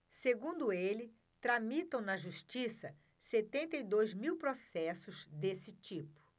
segundo ele tramitam na justiça setenta e dois mil processos desse tipo